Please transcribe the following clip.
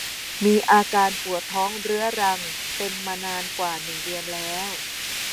มีอาการปวดท้องเรื้อรังเป็นมานานกว่าหนึ่งเดือนแล้ว